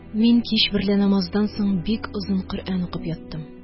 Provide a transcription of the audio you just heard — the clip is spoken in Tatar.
Мин кич берлә намаздан соң бик озын Коръән укып яттым